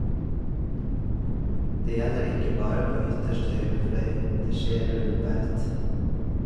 Det gjelder ikke bare på ytterste høyre fløy, det skjer rund baut.